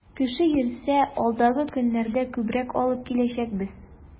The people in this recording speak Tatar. Кеше йөрсә, алдагы көннәрдә күбрәк алып киләчәкбез.